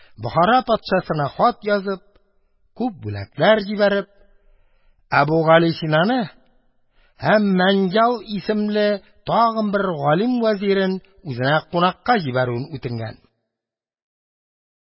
Бохара патшасына хат язып, күп бүләкләр җибәреп, Әбүгалисинаны һәм Мәнҗаль исемле бер галим вәзирен үзенә кунакка җибәрүен үтенгән.